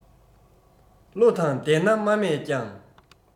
བློ དང ལྡན ན མ སྨྲས ཀྱང